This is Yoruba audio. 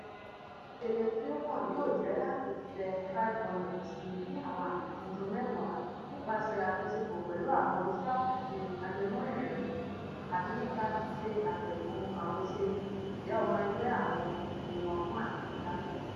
Ìpele tí ó kàn yóò jẹ́ láti fẹ TribeWanted si ní àwọn àyè tuntun mẹ́wàá, nípasẹ̀ àjọṣepọ̀ pẹ̀lú àwọn iṣẹ́ àkànṣe ajẹmọ́ ìrìnrìn-àjò àti nípa ṣíṣe àtẹ̀gùn àwòṣe ìjẹ́ ọmọ ẹgbẹ́ àwọn ohun ọgbọ́n àtinudá.